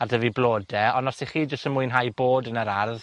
a dyfu blode, ond os 'ych chi jys yn mwynhau bod yn yr ardd,